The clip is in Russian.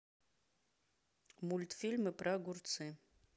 мультфильм про огурцы